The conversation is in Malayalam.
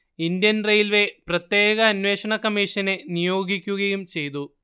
ഇന്ത്യൻ റെയിൽവേ പ്രത്യേക അന്വേഷണ കമ്മിഷനെ നിയോഗിക്കുകയും ചെയ്തു